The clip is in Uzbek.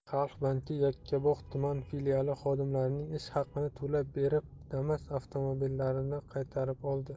xalq banki yakkabog' tuman filiali xodimlarining ish haqini to'lab berib damas avtomobilini qaytarib oldi